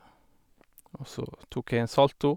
Og så tok jeg en salto.